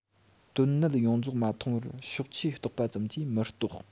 དོན གནད ཡོངས རྫོགས མ མཐོང བར ཕྱོགས ཆའི རྟོག པ ཙམ གྱིས མི རྟོགས